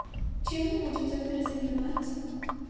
чем мы будем завтра заниматься